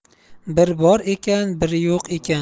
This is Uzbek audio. bir bor ekan bir yo'q ekan